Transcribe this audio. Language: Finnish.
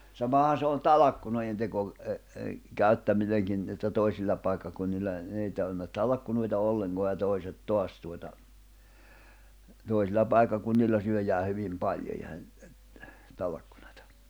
samahan se on talkkunoidenteko -- käyttäminenkin että toisilla paikkakunnilla no ei tarvinnut talkkunoita ollenkaan ja toiset taas tuota toisilla paikkakunnilla syödään hyvin paljon eihän talkkunaa